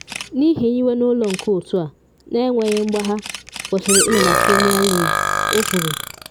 N’ihi nyiwe na ụlọ nke otu a, na enweghị mgbagha kwesịrị ịnọ na Premier League,” o kwuru.